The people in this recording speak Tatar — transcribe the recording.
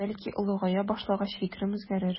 Бәлки олыгая башлагач фикерем үзгәрер.